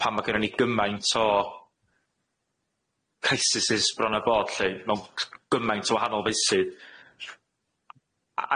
Pan ma' gynnon ni gymaint o crisisys bron a bod lly mewn c- gymaint o wahanol feysydd.